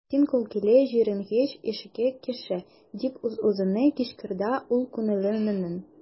Син көлкеле, җирәнгеч, әшәке кеше! - дип үз-үзенә кычкырды ул күңеленнән.